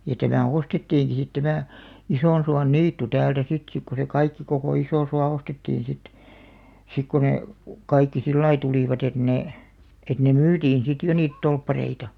ja tämä ostettiinkin sitten tämä Isonsuonniitty täältä sitten sitten kun se kaikki koko Isosuo ostettiin sitten sitten kun ne kaikki sillä lailla tulivat että ne että ne myytiin sitten jo niitä torppareita